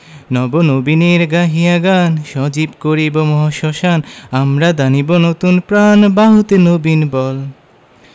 নব নবীনের গাহিয়া গান সজীব করিব মহাশ্মশান আমরা দানিব নতুন প্রাণ বাহুতে নবীন বল